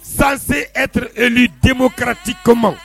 Sansen etureli den karatatikoma